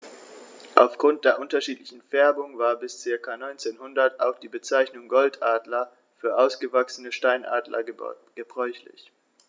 Auf Grund der unterschiedlichen Färbung war bis ca. 1900 auch die Bezeichnung Goldadler für ausgewachsene Steinadler gebräuchlich.